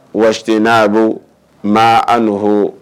Waati n'a bɔ ma an nɔɔ